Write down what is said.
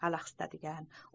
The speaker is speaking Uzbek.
meni alahsitadigan